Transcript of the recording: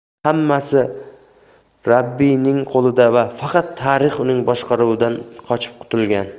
hammasi rabbiyning qo'lida va faqat tarix uning boshqaruvidan qochib qutulgan